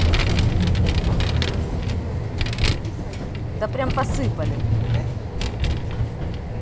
да прям посыпали